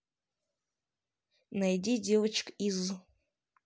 найди девочки из